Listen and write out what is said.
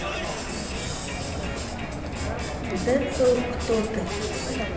децл кто ты